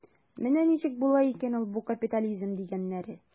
Менә ничек була икән бу капитализм дигәннәре.